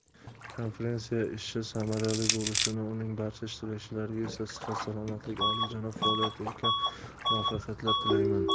konferensiya ishi samarali bo'lishini uning barcha ishtirokchilariga esa sihat salomatlik olijanob faoliyatida ulkan muvaffaqiyatlar tilayman